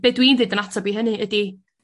Be' dwi'n deud yn atab i hynny ydi